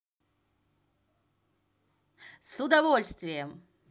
с удовольствием